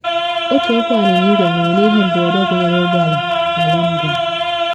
Otu ọkwọ anyịnya igwe nwụrụ n’ihe mberede gụnyere ụgbọ ala na London.